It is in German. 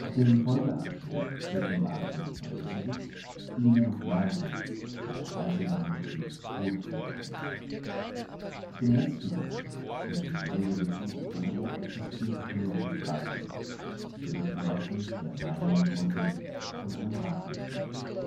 dem Folgeabschnitt zwischen Barth und Bresewitz liegen noch Gleise, der Eisenbahnbetrieb ruht jedoch derzeit. Auf dem letzten Abschnitt zwischen Bresewitz und Prerow existiert noch die Trasse, sie wird nördlich der Meiningenbrücke von einem Radweg genutzt